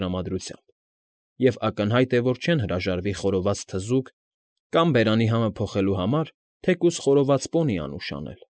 Տրամադրությամբ և ակնհայտ է, որ չեն հրաժարվի խորոված թզուկ կամ, բերանի համը փոխելու համար, թեկուզ խորոված պոնի անուշ անել։